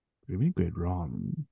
Dwi'n mynd i gweud Ron.